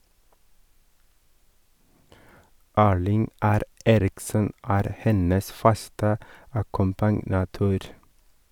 Erling R. Eriksen er hennes faste akkompagnatør.